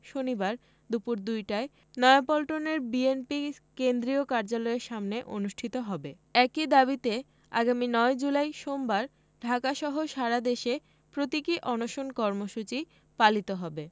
শনিবার দুপুর দুইটায় নয়াপল্টনের বিএনপি কেন্দ্রীয় কার্যালয়ের সামনে অনুষ্ঠিত হবে একই দাবিতে আগামী ৯ জুলাই সোমবার ঢাকাসহ সারাদেশে প্রতীকী অনশন কর্মসূচি পালিত হবে